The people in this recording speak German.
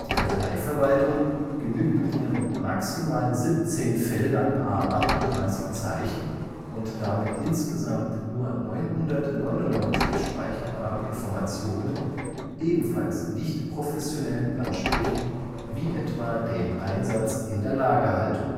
Dateiverwaltung genügt mit ihren maximal 17 Feldern à 38 Zeichen und damit insgesamt nur 999 speicherbaren Informationen ebenfalls nicht professionellen Ansprüchen wie etwa dem Einsatz in der Lagerhaltung